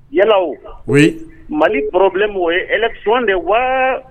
Yala wo? Oui ? Mali problème o ye élection de ye waa